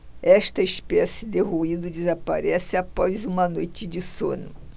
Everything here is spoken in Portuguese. esta espécie de ruído desaparece após uma noite de sono